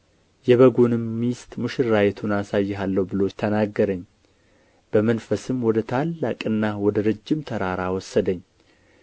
የበጉንም ሚስት ሙሽራይቱን አሳይሃለሁ ብሎ ተናገረኝ በመንፈስም ወደ ታላቅና ወደ ረጅም ተራራ ወሰደኝ